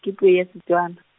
ke puo ya Setswana.